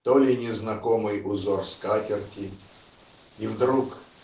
то ли незнакомый узор скатерти. И вдруг